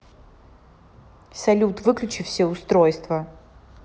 салют выключи все устройства